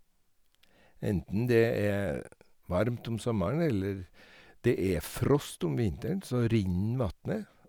Enten det er varmt om sommeren eller det er frost om vinteren, så renner vatnet.